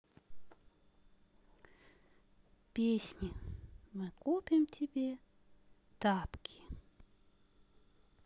песни мы купим тебе тапки